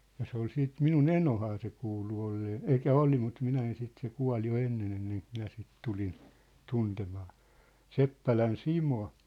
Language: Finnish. ja se oli sitten minun enohan se kuului olleen eli oli mutta minä en sitten se kuoli jo ennen ennen kuin minä sitten tulin tuntemaan Seppälän Simon